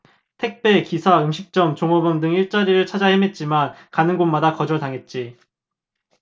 택배 기사 음식점 종업원 등 일자리를 찾아다녔지만 가는 곳마다 거절당했지